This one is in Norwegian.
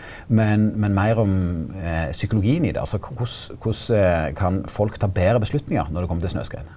men men meir om psykologien i det altså korleis korleis kan folk ta betre avgjerder når det kjem til snøskred?